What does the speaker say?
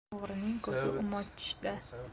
o'g'rining ko'zi o'mochda